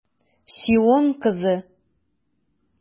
Сион кызы!